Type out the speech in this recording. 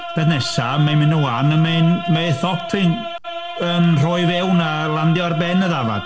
Peth nesa, mae hi'n mynd yn wan a mae'n... mae ei thop hi'n yy yn rhoi fewn a landio ar ben y ddafad.